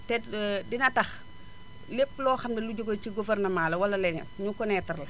te dina tax lépp loo xam ne lu jóge ci gouvernement la wala leneen ñu reconnaitre la